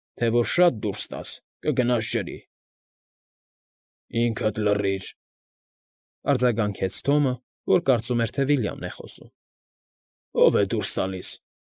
Թե որ շատ դուրս տաս, կգնաս ջրի։ ֊ Ինքդ լռիր,֊ արձագանքեց Թոմը, որ կարծում էր, թե Վիլյամն է խոսում։ ֊ Ո՞վ է դուրս տալիս։